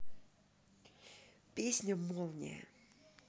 песня молния